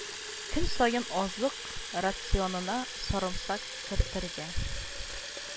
Көн саен азык рационына сарымсак кертергә